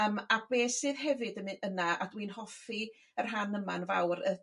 am abe sydd hefyd yn myna a dwi'n hoffi y rhan yma'n fawr y dŷ